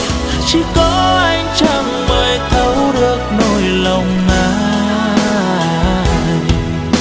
chỉ có ánh trăng mới thấu được nỗi lòng anh